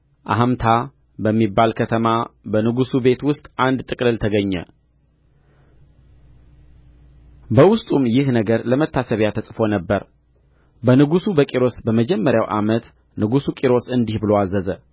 አሕምታ በሚባል ከተማ በንጉሡ ቤት ውስጥ አንድ ጥቅልል ተገኘ በውስጡም ይህ ነገር ለመታሰቢያ ተጽፎ ነበር በንጉሡ በቂሮስ በመጀመሪያው ዓመት ንጉሡ ቂሮስ እንዲህ ብሎ አዘዘ